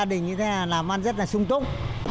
đình đi ra làm ăn rất là sung túc